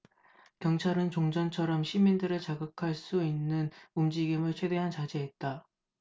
경찰은 종전처럼 시민들을 자극할 수 있는 움직임을 최대한 자제했다